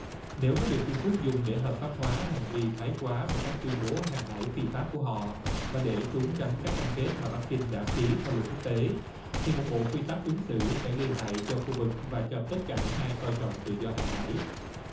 nếu đã được trung quốc dùng để hợp pháp hóa hành vi thái quá và các tuyên bố hàng hải phi pháp của họ và để trốn tránh các cam kết mà bắc kinh đã ký theo luật quốc tế thì một bộ quy tắc ứng xử sẽ gây hại cho khu vực và cho tất cả những ai coi trọng tự do hàng hải